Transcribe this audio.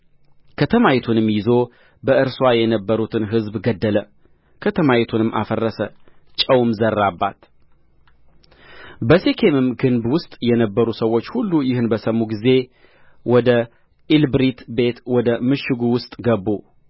ከከተማይቱ ጋር ተዋጋ ከተማይቱንም ይዞ በእርሷ የነበሩትን ሕዝብ ገደለ ከተማይቱንም አፈረሰ ጨውም ዘራባት በሴኬምም ግንብ ውስጥ የነበሩ ሰዎች ሁሉ ይህን በሰሙ ጊዜ ወደ ኤልብሪት ቤት ወደ ምሽጉ ውስጥ ገቡ